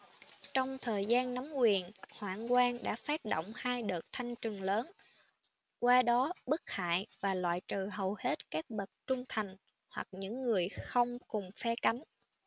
trong thời gian nắm quyền hoạn quan đã phát động hai đợt thanh trừng lớn qua đó bức hại và loại trừ hầu hết các bậc trung thần hoặc những người không cùng phe cánh